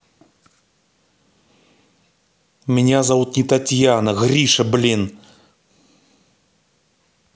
меня зовут не татьяна гриша блин